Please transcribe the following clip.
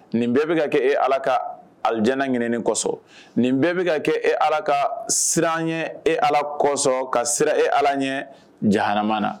Nin bɛɛ bɛ ka kɛ e Ala ka alijana ɲinini kɔsɔn, nin bɛɛ bɛ ka kɛ e Ala ka siran n ɲɛ, e Ala kosɔn ka sira e Ala ɲɛ jahanama na